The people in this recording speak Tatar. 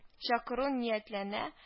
Чакыру ниятләнә